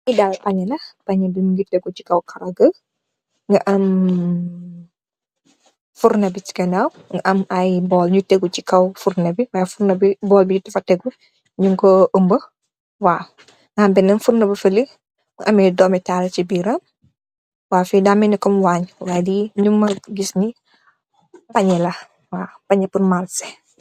Lii daal paññe la, paññe bi mu ngi teggu si kow koro gi, am furno bi si ganaaw, ay bool yu teggu si kow furno bi, waay furno bi bool b fa teggu, ñung ko ambu, waaw. Nga am benen furno fale, mu amee döömi taal si biir am, fii daa melni waange lima fa gis nii, paññe la, paññe pur dem marse.